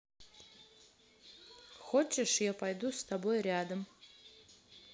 хочешь я пойду с тобой рядом